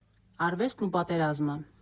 Արվեստն ու պատերազմը։